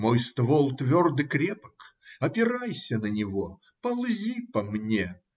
Мой ствол тверд и крепок; опирайся на него, ползи по мне.